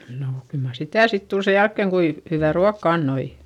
no kyllä mar sitä sitten tuli sen jälkeen kuinka hyvää ruokaa antoi